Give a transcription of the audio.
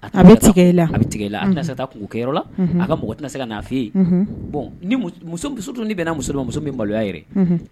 A bɛ tigɛla a bɛ tigɛ a bɛna kungo kɛyɔrɔ la a ka mɔgɔ tɛna se ka nafin ye bɔn dun' bɛna muso ma muso min maloya yɛrɛ